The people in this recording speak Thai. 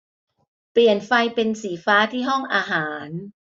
เปลี่ยนไฟเป็นสีฟ้าที่ห้องอาหาร